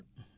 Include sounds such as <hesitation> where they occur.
<hesitation>